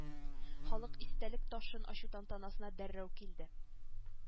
Халык истәлек ташын ачу тантанасына дәррәү килде